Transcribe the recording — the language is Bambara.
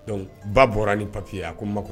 Dɔnkuc ba bɔra ni papiye ye a ko ma